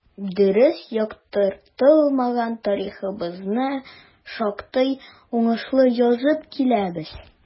Дөрес яктыртылмаган тарихыбызны шактый уңышлы язып киләбез.